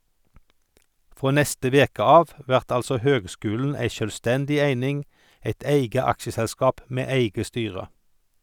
Frå neste veke av vert altså høgskulen ei sjølvstendig eining, eit eige aksjeselskap med eige styre.